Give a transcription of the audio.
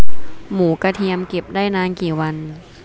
หมูกระเทียมเก็บได้นานกี่วัน